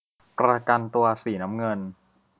ประกันตัวสีน้ำเงิน